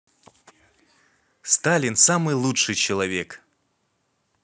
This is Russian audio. сталин самый лучший человек